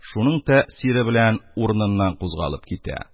Шуның тәэсире белән урыныннан кузгалып китә.